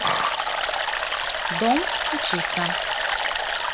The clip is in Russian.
дом учиться